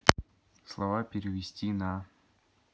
слова перевести на